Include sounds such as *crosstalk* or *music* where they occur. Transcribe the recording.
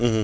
*hesitation* *hesitation*